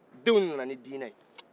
denw de nana nin dinɛ